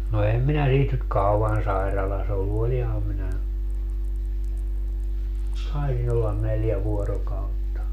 no en minä siitä nyt kauan sairaalassa ollut olinhan minä taisin olla neljä vuorokautta